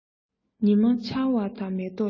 ཉི མ འཆར བ དང མེ ཏོག བཞད